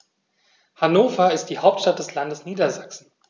Hannover ist die Hauptstadt des Landes Niedersachsen.